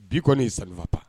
Bi kɔni ça ne va pas